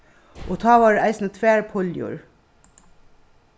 og tá vóru eisini tvær puljur